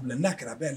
Bila' kɛra bɛ la